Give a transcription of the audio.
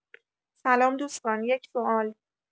سلام دوستان یک سوال